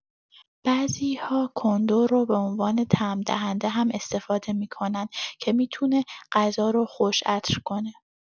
بعضی‌ها کندر رو به عنوان طعم‌دهنده هم استفاده می‌کنن که می‌تونه غذا رو خوش‌عطر کنه.